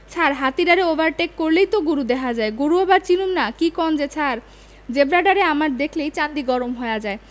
ছার হাতিডারে ওভারটেক করলেই তো গরু দেহা যায় গরু আবার চিনুম না কি যে কন ছার তয় ছার জেব্রাডারে আমার দেখলেই চান্দি গরম হয়া যায়